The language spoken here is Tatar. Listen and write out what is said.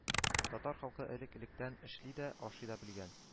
Татар халкы элек-электән эшли дә, ашый да белгән